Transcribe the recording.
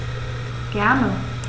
Gerne.